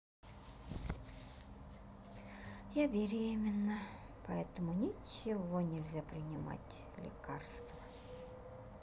я беременна поэтому ничего нельзя принимать лекарства